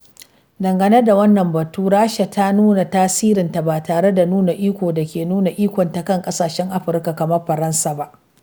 Dangane da wannan batu, Rasha ta nuna tasirinta ba tare da nuna iko da ke nuna ikonta kan ƙasashen Afirka kamar Faransa ba.